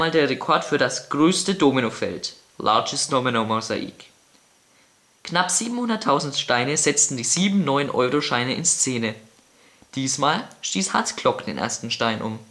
der Rekord für das größte Dominofeld (Largest domino mosaic). Knapp 700.000 Steine setzten die sieben neuen Euroscheine in Szene. Diesmal stieß Hans Klok den ersten Stein um